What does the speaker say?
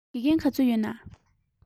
དགེ རྒན ག ཚོད ཡོད ན